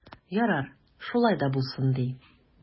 Ярар, шулай да булсын ди.